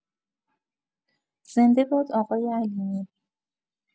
زنده‌باد آقای علیمی